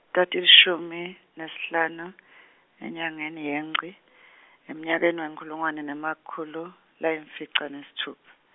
tatilishumi nesihlanu enyangeni yeNgci emnyakeni wenkhulungwane nemakhulu layimfica nesitfupha.